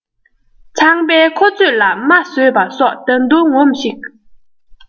ཚངས པའི མཁུར ཚོས ལ རྨ བཟོས པ སོགས ད དུང ངོམས ཤིག